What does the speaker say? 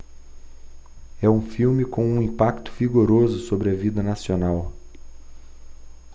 é um filme com um impacto vigoroso sobre a vida nacional